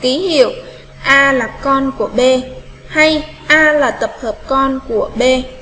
ký hiệu a là con của b hey a là tập hợp con của b